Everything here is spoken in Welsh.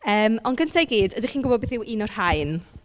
Yym ond gynta i gyd ydych chi'n gwybod beth yw un o'r rhain?